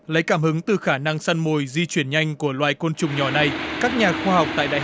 lấy cảm hứng từ khả năng săn mồi di chuyển nhanh của loài côn trùng nhỏ này các nhà khoa học tại đại